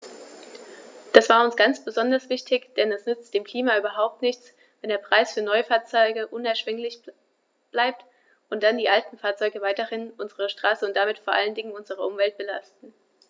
Das war uns ganz besonders wichtig, denn es nützt dem Klima überhaupt nichts, wenn der Preis für Neufahrzeuge unerschwinglich bleibt und dann die alten Fahrzeuge weiterhin unsere Straßen und damit vor allen Dingen unsere Umwelt belasten.